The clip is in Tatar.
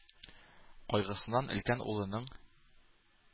Кайгысыннан өлкән улының